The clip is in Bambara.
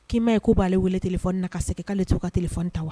K'imaa ye ko b'ale wele tele fɔ- n na ka segin k'ale to ka t fɔ ta wa